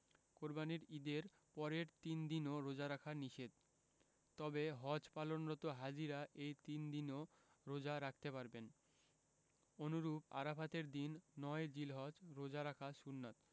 কোরবানির ঈদের পরের তিন দিনও রোজা রাখা নিষেধ তবে হজ পালনরত হাজিরা এই তিন দিনও রোজা রাখতে পারবেন অনুরূপ আরাফাতের দিন ৯ জিলহজ রোজা রাখা সুন্নাত